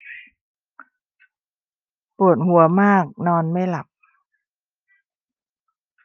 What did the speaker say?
ปวดหัวมากนอนไม่หลับ